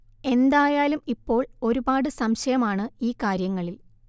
എന്തായാലും ഇപ്പോൾ ഒരുപാട് സംശയം ആണ് ഈ കാര്യങ്ങളിൽ